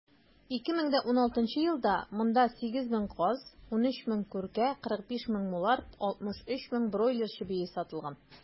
2016 елда монда 8 мең каз, 13 мең күркә, 45 мең мулард, 63 мең бройлер чебие сатылган.